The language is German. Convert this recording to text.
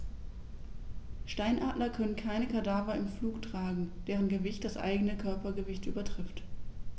Steinadler können keine Kadaver im Flug tragen, deren Gewicht das eigene Körpergewicht übertrifft.